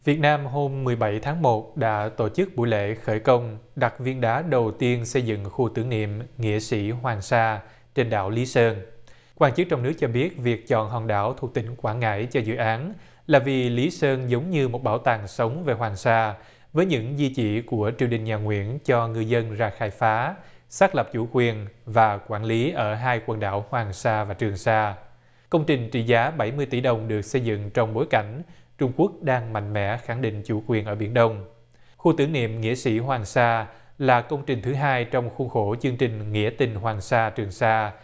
việt nam hôm mười bảy tháng một đã tổ chức buổi lễ khởi công đặt viên đá đầu tiên xây dựng khu tưởng niệm nghĩa sĩ hoàng sa trên đảo lý sơn quan chức trong nước cho biết việc chọn hòn đảo thuộc tỉnh quảng ngãi cho dự án là vì lý sơn giống như một bảo tàng sống về hoàng sa với những di chỉ của triều đình nhà nguyễn cho người dân ra khai phá xác lập chủ quyền và quản lý ở hai quần đảo hoàng sa và trường sa công trình trị giá bảy mươi tỷ đồng được xây dựng trong bối cảnh trung quốc đang mạnh mẽ khẳng định chủ quyền ở biển đông khu tưởng niệm nghĩa sĩ hoàng sa là công trình thứ hai trong khuôn khổ chương trình nghĩa tình hoàng sa trường sa